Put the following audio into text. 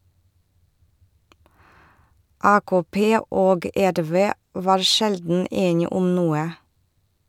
AKP og RV var sjelden enig om noe.